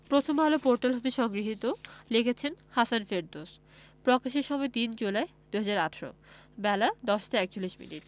Prothom Alo portal হতে সংগৃহীত লিখেছেন হাসান ফেরদৌস প্রকাশের সময় ৩ জুলাই ২০১৮ বেলা ১০টা ৪১মিনিট